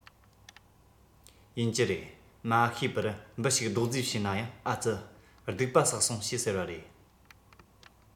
ཡིན གྱི རེད མ ཤེས པར འབུ ཞིག རྡོག རྫིས བྱས ན ཡང ཨ ཙི སྡིག པ བསགས སོང ཞེས ཟེར བ རེད